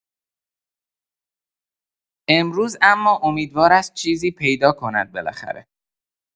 امروز اما امیدوار است چیزی پیدا کند بالاخره.